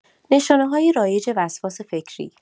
نشانه‌های رایج وسواس فکری